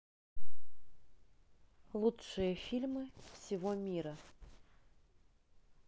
лучшие фильмы всего мира